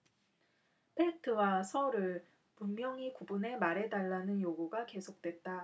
팩트와 설을 분명히 구분해 말해 달라는 요구가 계속됐다